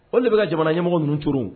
O de bɛ ka jamana ɲɛmɔgɔ ninnu tuuru